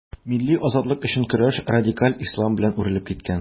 Милли азатлык өчен көрәш радикаль ислам белән үрелеп киткән.